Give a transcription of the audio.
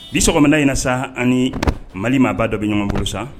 Bi sɔgɔmana ɲɛna sa ani mali maa ba dɔ bɛ ɲɔgɔnbugu san